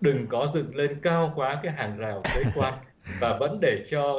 đừng có dựng lên cao quá cái hàng rào thuế quan và vẫn để cho